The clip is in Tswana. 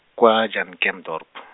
kwa Jan Kempdorp.